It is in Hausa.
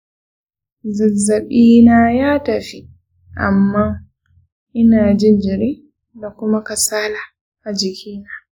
zazzaɓi na ya tafi, amma ina jin jiri da kuma kasala a jiki na.